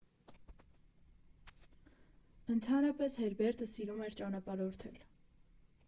Ընդհանրապես Հերբերտը սիրում էր ճանապարհորդել։